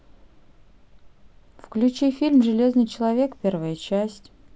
включи фильм железный человек первая часть